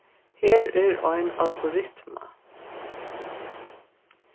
her er ein algoritma